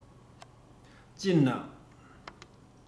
སྤྱིར ན